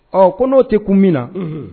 Ɔ ko n'o tɛ kun min na